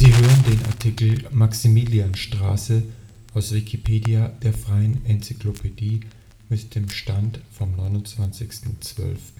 hören den Artikel Maximilianstraße (München), aus Wikipedia, der freien Enzyklopädie. Mit dem Stand vom Der